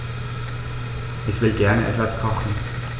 Ich will gerne etwas kochen.